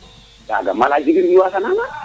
*